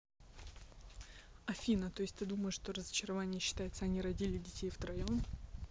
афина то есть ты думаешь что разочарование считается они родили детей втроем